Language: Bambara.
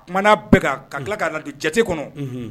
Umana bɛɛ kan ka tila'a nadi jate kɔnɔ